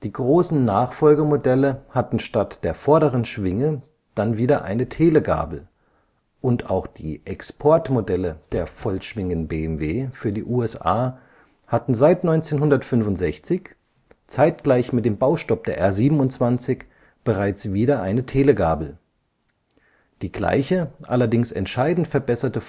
großen Nachfolgemodelle hatten statt der vorderen Schwinge dann wieder eine Telegabel – und auch die Export-Modelle der „ Vollschwingen-BMW “für die USA hatten seit 1965, zeitgleich mit dem Baustopp der R 27, bereits wieder eine Telegabel – die gleiche, allerdings entscheidend verbesserte